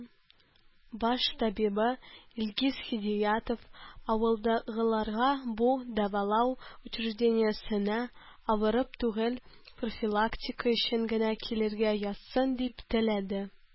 Баш табибы Илгиз Хидиятов авылдагыларга бу дәвалау учреждениесенә авырып түгел, ә профилактика өчен генә килергә язсын, дип теләде.